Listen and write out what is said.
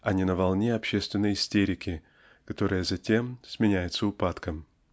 а не на волне общественной истерики которая затем сменяется упадком.